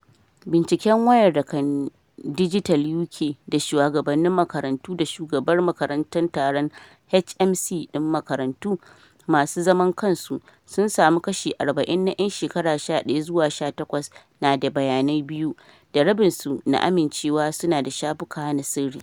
Binciken, wayar da kan Dijital UK da shuwagabannin makarantu da shugabar makarantun taron (HMC) din makarantu masu zaman kansu, sun samu kashi 40 na yan shekara 11 zuwa 18 na da bayanai biyu, da rabin su na amincewa su na da shafuka na sirri.